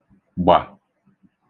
gbà